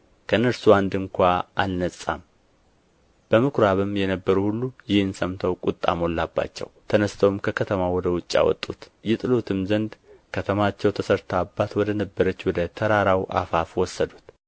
ከእነርሱ አንድ ስንኳ አልነጻም በምኵራብም የነበሩ ሁሉ ይህን ሰምተው ቍጣ ሞላባቸው ተነሥተውም ከከተማ ወደ ውጭ አወጡት ይጥሉትም ዘንድ ከተማቸው ተሠርታባት ወደ ነበረች ወደ ተራራው አፋፍ ወሰዱት